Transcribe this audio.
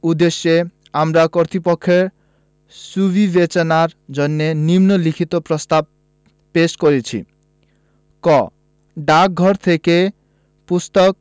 উদ্দেশ্যে আমরা কর্তৃপক্ষের সুবিবেচনার জন্য নিন্ম লিখিত প্রস্তাব পেশ করছি ক ডাকঘর থেকে পুস্তক